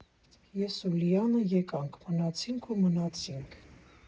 Ես ու Լիանը եկանք, մնացինք ու մնացինք։